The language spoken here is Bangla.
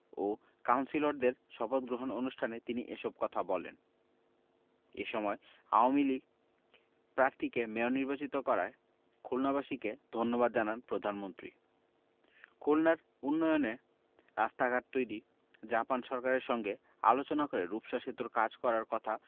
ও কাউন্সিলরদের শপথগ্রহণ অনুষ্ঠানে তিনি এসব কথা বলেন এ সময় আওয়ামী লীগ প্রার্থীকে মেয়র নির্বাচিত করায় খুলনাবাসীকে ধন্যবাদ জানান প্রধানমন্ত্রী খুলনার উন্নয়নে রাস্তাঘাট তৈরি জাপান সরকারের সঙ্গে আলোচনা করে রূপসা সেতুর কাজ করার কথা